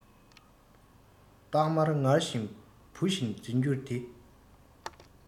སྟག དམར ངར བཞིན བུ བཞིན འཛིན རྒྱུ འདི